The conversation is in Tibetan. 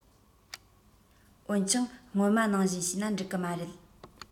འོན ཀྱང སྔོན མ ནང བཞིན བྱས ན འགྲིག གི མ རེད